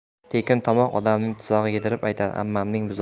tekin tomoq odamning tuzog'i yedirib aytadi ammamning buzog'i